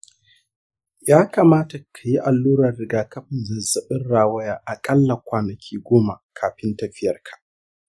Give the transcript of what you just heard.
ya kamata kayi allurar rigakafin zazzabin rawaya akalla kwanaki goma kafin tafiyar ka.